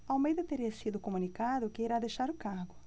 almeida teria sido comunicado que irá deixar o cargo